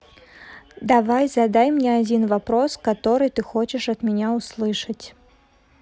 давай задай мне один вопрос который ты хочешь от меня услышать